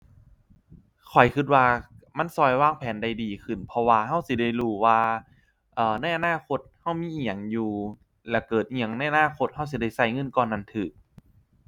ข้อยคิดว่ามันคิดวางแผนได้ดีขึ้นเพราะว่าคิดสิได้รู้ว่า เอ่อ ในอนาคตคิดมีอิหยังอยู่แล้วเกิดอิหยังในอนาคตคิดสิได้คิดเงินก้อนนั้นคิด